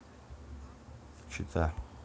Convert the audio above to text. чита